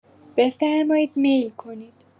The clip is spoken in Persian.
بفرمایین میل کنید.